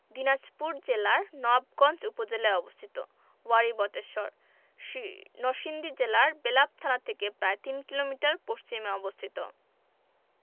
দিনাজপুর জেলার নওয়াবগঞ্জ উপজেলায় অবস্থিত ওয়ারী বটেশ্বর নরসিংদী জেলার বেলাব থানা থেকে প্রায় তিন কিলোমিটার পশ্চিমে অবস্থিত